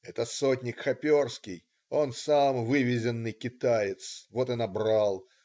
"Это сотник Хоперский, он сам вывезенный китаец, вот и набрал.